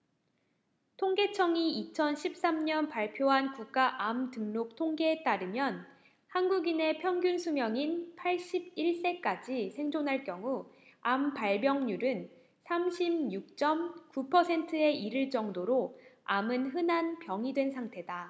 통계청이 이천 십 삼 년 발표한 국가암등록통계에 따르면 한국인의 평균수명인 팔십 일 세까지 생존할 경우 암발병률은 삼십 육 쩜 구 퍼센트에 이를 정도로 암은 흔한 병이 된 상태다